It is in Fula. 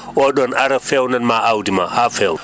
oo ɗoon ara feewnan maa aawdi maa haa feewa